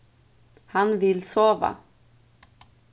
hann vil sova